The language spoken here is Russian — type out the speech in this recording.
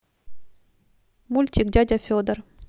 мультик дядя федор